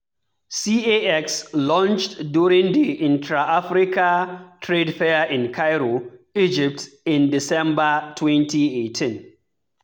CAX launched during the Intra Africa Trade Fair in Cairo, Egypt, in December 2018.